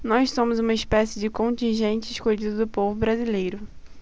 nós somos uma espécie de contingente escolhido do povo brasileiro